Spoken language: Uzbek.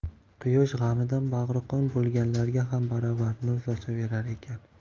quyosh g'amidan bag'ri qon bo'lganlarga ham baravar nur sochaverar ekan